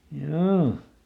joo